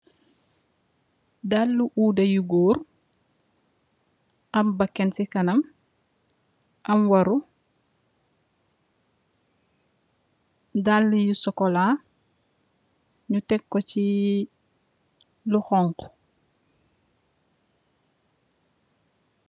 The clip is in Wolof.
Daali uude yu Goor, am bakan si kanam, am waru. Daalë yu sokolaa, ñu Tek ko si uhha.